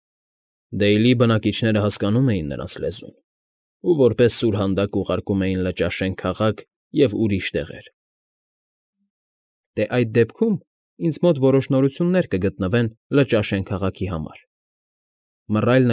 Դեյլի բնակիչները հասկանում էին նրանց լեզուն և որպես սուրհանդակ ուղարկում էին Լճաշեն քաղաք և ուրիշ տեղեր։ ֊ Դե, այդ դեպքում իմ մոտ որոշ նորություններ կգտնվեն Լճաշեն քաղաքի համար,֊ մռայլ։